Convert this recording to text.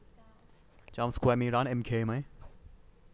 จามสแควร์มีร้านเอ็มเคไหม